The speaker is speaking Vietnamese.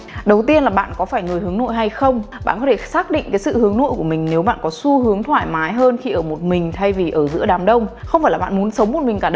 đầu tiên là bạn có phải người hướng nội hay không bạn có thể xác định cái sự hướng nội của mình nếu bạn có xu hướng thoải mái hơn khi ở một mình thay vì ở giữa đám đông không phải là bạn muốn sống một mình cả đời